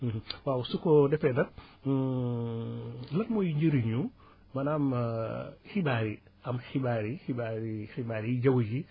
waaw su ko defee nag lan mooy njëriñu maanaam xibaar yi am xibaar yi xibaar yi xibaar yu jaww ji